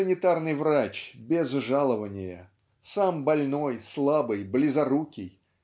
санитарный врач без жалованья. Сам больной слабый близорукий